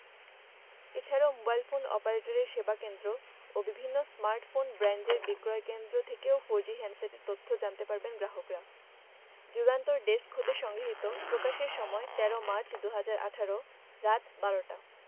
এ ছাড়াও mobile phone অপারেটরের সেবাকেন্দ্র ও বিভিন্ন স্মার্টফোন ব্র্যান্ডের বিক্রয়কেন্দ্র থেকেও ফোরজি হ্যান্ডসেটের তথ্য জানতে পারবেন গ্রাহকরা যুগান্তর ডেস্ক হতে সংগৃহীত প্রকাশের সময় ১৩ মার্চ ২০১৮ রাত ১২:০০ টা